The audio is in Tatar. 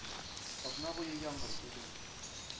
Атна буе яңгыр койды.